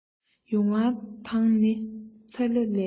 ཡུང བ དང ནི ཚ ལེ ལས